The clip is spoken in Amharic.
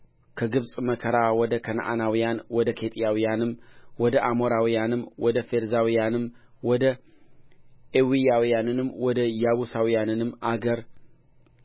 ከግብፅም መከራ ወደ ከነዓናውያን ወደ ኬጢያውያንም ወደ አሞራውያንም ወደ ፌርዛውያንም ወደ ኤዊያውያንም ወደ ያቡሳውያንም አገር